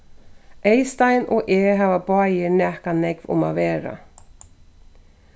eyðstein og eg hava báðir nakað nógv um at vera